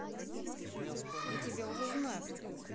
я тебя уже знаю придурок